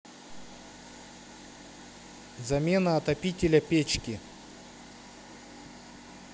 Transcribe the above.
замена отопителя печки